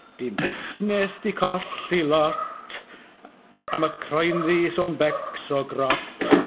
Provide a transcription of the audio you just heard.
Dyn busnes 'di colli lot, am y croenddu so e'n becso grot.